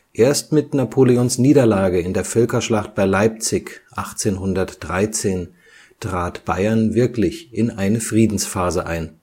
Erst mit Napoleons Niederlage in der Völkerschlacht bei Leipzig 1813 trat Bayern wirklich in eine Friedensphase ein